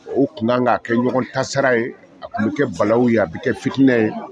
O kun ka'a kɛ ɲɔgɔn tasara ye a tun bɛ kɛ balaw ye a bɛ kɛ fitinɛina ye